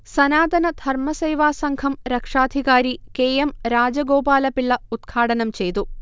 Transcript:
സനാതന ധർമസേവാസംഘം രക്ഷാധികാരി K M Rajagopalapillai ഉദ്ഘാടനം ചെയ്തു